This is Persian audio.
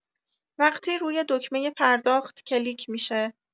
وقتی روی دکمۀ پرداخت کلیک می‌شه